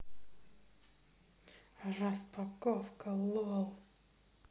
распаковка лол